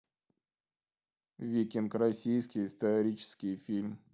викинг российский исторический фильм